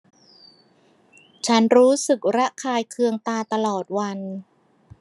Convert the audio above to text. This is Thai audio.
ฉันรู้สึกระคายเคืองตาตลอดวัน